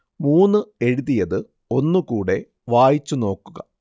മുന്ന് എഴുതിയത് ഒന്നു കൂടെ വായിച്ചു നോക്കുക